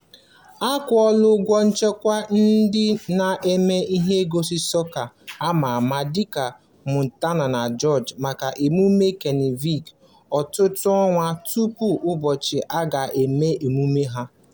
A kwụọla ụgwọ nchekwata ndị na-eme ihe ngosi sọka a ma ama dịka Montana na George maka emume Kanịva ọtụtụ ọnwa tupu ụbọchị a ga-eme emume ahụ.